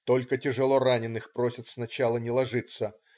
Только тяжелораненых просят сначала не ложиться.